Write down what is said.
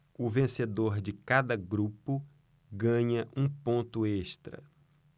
o vencedor de cada grupo ganha um ponto extra